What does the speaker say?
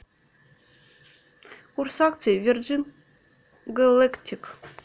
курс акций верджин галэктик